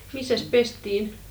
missäs pestiin